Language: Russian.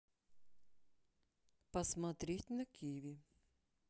посмотреть на киви